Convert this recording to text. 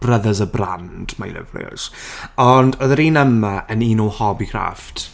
Brother's a brand my lovelies. Ond, oedd yr un yma yn un o Hobbycraft.